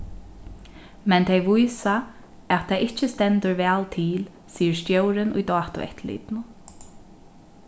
men tey vísa at tað ikki stendur væl til sigur stjórin í dátueftirlitinum